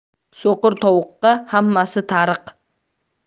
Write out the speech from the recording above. so'qir tovuqqa hammasi tariq